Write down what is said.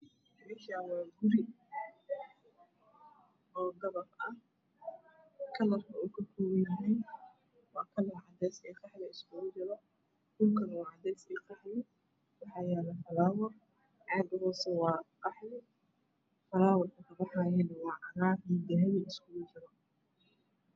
Meshan wa guri dabaq ah kalarka uu kakokapn yahy waa qaxwi iyo cades iskugu jiro dhulkanaka waa cades iyo qaxwi waxa ylo faalwar caaga hoose wa aqaxwi faalwarka ka baxaayana wa cagar iyo dahpi iskugu jiro